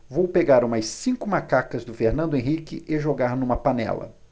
vou pegar umas cinco macacas do fernando henrique e jogar numa panela